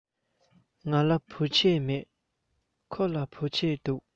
ང ལ བོད ཆས མེད ཁོ ལ བོད ཆས འདུག